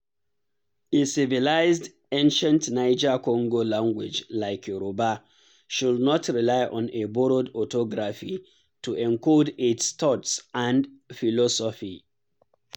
A civilized and ancient Niger-Congo language like Yorùbá should not rely on a borrowed orthography to encode its thoughts and philosophy.